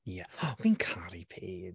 Ie, fi'n caru Pai-...